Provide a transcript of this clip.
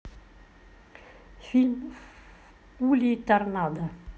фильм акулий торнадо